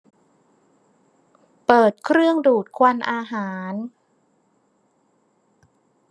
เปิดเครื่องดูดควันอาหาร